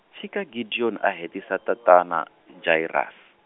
tshika Gideon a hetisa tatana, Jairus.